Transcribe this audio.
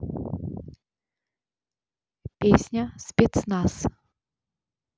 песня спецназ